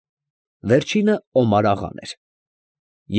Վերջինը Օմար֊աղան էր։